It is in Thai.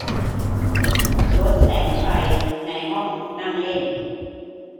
ลดแสงไฟในห้องนั่งเล่น